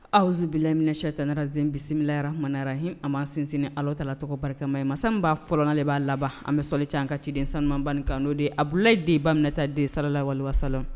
Awouzoubilayi mina cheïtani radjimi, bisimilayi Rahmani Rahimi a ma sinsin ni Allahou ta Alaa tɔgɔ barikama ye masa min b'a fɔlɔ n'ale b'a laban, an bɛ sɔli caya an ka ciden sanumanba in kan n'o ye Abulayi den, ba Aminata den salala wa aleyi wa salam.